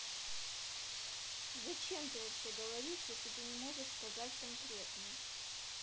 зачем ты вообще говоришь если ты не можешь сказать конкретно